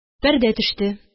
Пәрдә төште